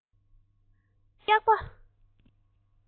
མདང དགོང ཁྱོད རང སྐྱག པ